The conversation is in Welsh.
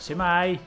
Su'mai.